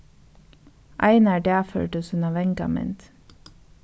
einar dagførdi sína vangamynd